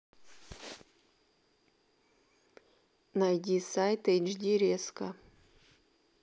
найди сайт hd резка